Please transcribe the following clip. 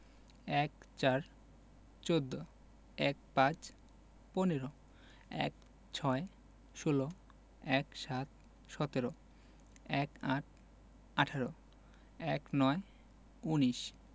১৪ - চৌদ্দ ১৫ – পনেরো ১৬ - ষোল ১৭ - সতেরো ১৮ - আঠারো ১৯ - উনিশ